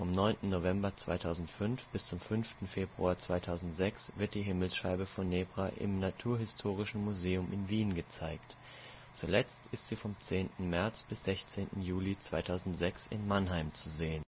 9. November 2005 bis zum 5. Februar 2006 wird die Himmelsscheibe von Nebra im Naturhistorischen Museum in Wien gezeigt, zuletzt ist sie vom 10. März bis 16. Juli 2006 in Mannheim zu sehen